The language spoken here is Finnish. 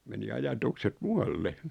kun meni ajatukset muualle